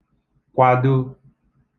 kwado